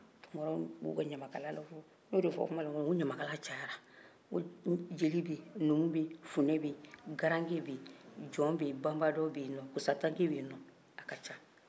n y'o de fɔ kuma la n ko ɲamakala cayara jeli bɛ yen numu bɛ yen funɛ bɛ yen garanke bɛ yen jɔn bɛ yen banbadɔ bɛ yen nɔ kusantanke bɛ yen nɔ a ka ca